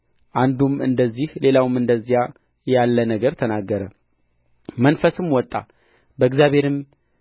አንዱም እንደዚህ ሌላውም እንደዚያ ያለ ነገር ተናገረ መንፈስም መጣ በእግዚአብሔርም